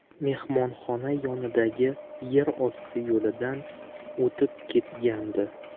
mehmonxona yonidagi yer osti yo'lidan o'tib ketgandi